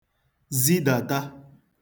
zidàta